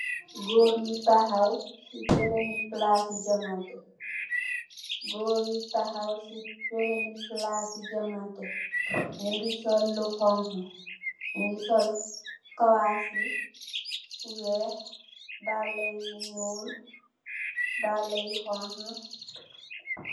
Goor yu tahaw si beureubi palaasi jonganteh, nyungi sol lu honhu, nyungi sol kawaasi weeh, daala yu nyuul, daala yu honha.